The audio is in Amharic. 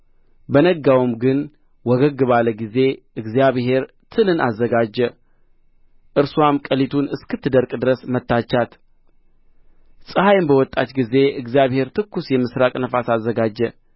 በነጋው ግን ወገግ ባለ ጊዜ እግዚአብሔር ትልን አዘጋጀ እርስዋም ቅሊቱን እስክትደርቅ ድረስ መታቻት ፀሐይም በወጣች ጊዜ እግዚአብሔር ትኩስ የምሥራቅ ነፋስ አዘጋጀ